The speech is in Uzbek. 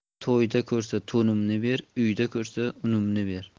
to'yda ko'rsa to'nimni ber uyda ko'rsa unimni ber